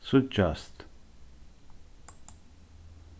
síggjast